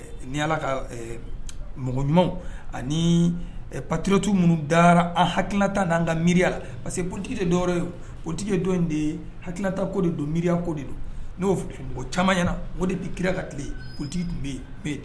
N'i' ala ka mɔgɔ ɲumanw ani patirɔti minnu dara an hakilata n' an ka miiriyala parce quekuntigi de dɔw ye ptigi ye don de ye hakilatako de don miiriya ko de don n'o o camanyana o de bɛ kira ka tile ye kuntigi tun bɛ yen